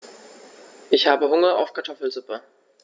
Ich habe Hunger auf Kartoffelsuppe.